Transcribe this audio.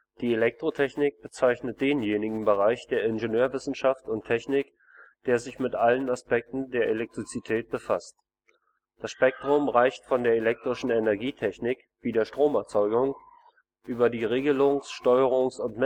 Die Elektrotechnik bezeichnet denjenigen Bereich der Ingenieurwissenschaft und Technik, der sich mit allen Aspekten der Elektrizität befasst. Das Spektrum reicht von der elektrischen Energietechnik wie der Stromerzeugung, über die Regelungs -, Steuerungs - und